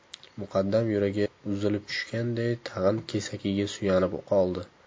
muqaddam yuragi uzilib tushganday tag'in kesakiga suyanib qoldi